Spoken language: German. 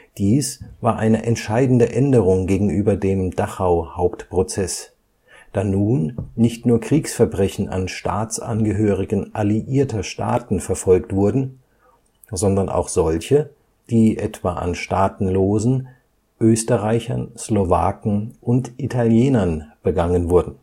Dies war eine entscheidende Änderung gegenüber dem Dachau-Hauptprozess, da nun nicht nur Kriegsverbrechen an Staatsangehörigen alliierter Staaten verfolgt wurden, sondern auch solche, die etwa an Staatenlosen, Österreichern, Slowaken und Italienern begangen wurden